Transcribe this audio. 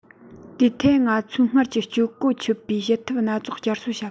དེའི ཐད ང ཚོའི སྔར གྱི སྤྱོད གོ ཆོད པའི བྱེད ཐབས སྣ ཚོགས བསྐྱར གསོ བྱ དགོས